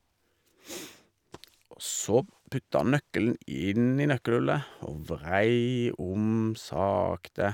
Og så putta han nøkkelen inn i nøkkelhullet og vrei om sakte.